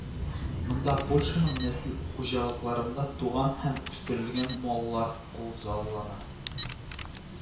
Монда Польшаның нәсел хуҗалыкларында туган һәм үстерелгән маллар күзаллана